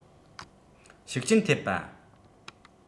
ཤུགས རྐྱེན ཐེབས པ